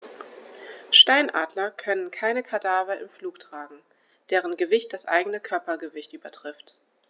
Steinadler können keine Kadaver im Flug tragen, deren Gewicht das eigene Körpergewicht übertrifft.